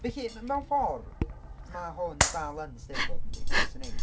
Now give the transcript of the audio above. Felly m- mewn ffordd ma' hwn dal yn 'Steddfod yndi? Dyna sy'n neis.